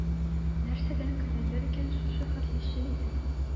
Нәрсәдән көләләр икән шушы хәтле чын итеп?